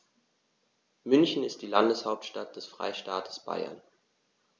München ist die Landeshauptstadt des Freistaates Bayern.